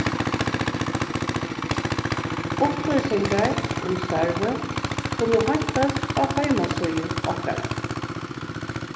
upplýsingar um starvið kunnu heintast á heimasíðu okkara